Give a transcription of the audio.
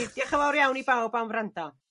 Diolch yn fawr iawn i bawb am wrando.